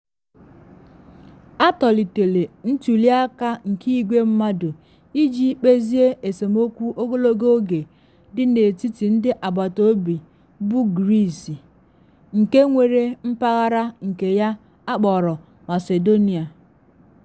Atọlitere ntuli aka nke igwe mmadụ iji kpezie esemokwu ogologo oge dị n’etiti ndị agbataobi bụ Greece, nke nwere mpaghara nke ya akpọrọ Macedonia.